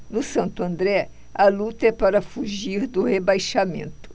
no santo andré a luta é para fugir do rebaixamento